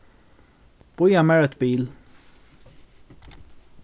bíða mær eitt bil